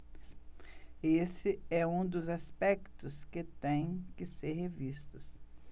esse é um dos aspectos que têm que ser revistos